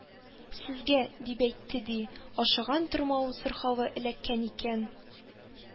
Сезгә, — дип әйтте, ди, — ашаган тормау сырхавы эләккән икән,